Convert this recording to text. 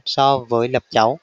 so với lập cháu